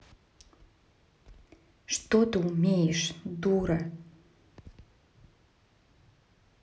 что ты умеешь дура